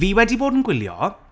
Fi wedi bod yn gwylio...